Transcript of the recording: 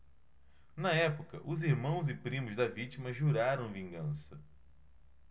na época os irmãos e primos da vítima juraram vingança